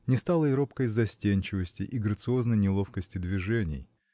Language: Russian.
Не стало и робкой застенчивости, и грациозной неловкости движений.